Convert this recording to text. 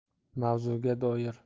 mavzuga doir